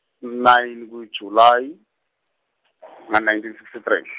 nine ku- July , nga nineteen sixty three.